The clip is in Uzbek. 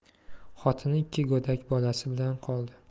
xotini ikki go'dak bolasi bilan qoldi